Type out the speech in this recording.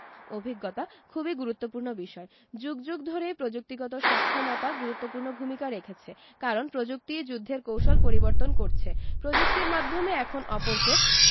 অভিজ্ঞতা খুবই গুরুত্বপূর্ণ বিষয় যুগ যুগ ধরেই প্রযুক্তিগত সক্ষমতা গুরুত্বপূর্ণ ভূমিকা রেখেছে কারণ প্রযুক্তিই যুদ্ধের কৌশল পরিবর্তন করছে প্রযুক্তির মাধ্যমে এখন অপরকে